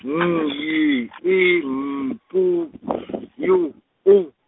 N Y I M P F Y U.